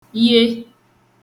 ye